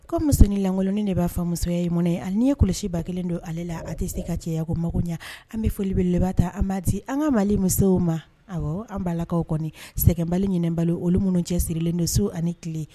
Kɔ musoninlankolonin de b'a fɔ musoya ye mɔnɛ ani ye kɔlɔsiba kelen don ale la a tɛ se ka cayaya ko mago ɲɛ an bɛ folibelebba ta anbati an ka mali musoww ma ɔwɔ an b'a lakaw kɔni sɛgɛnbali ɲini balo olu minnu cɛ sirilen don su ani tile